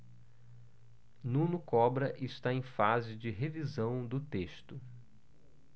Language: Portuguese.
nuno cobra está em fase de revisão do texto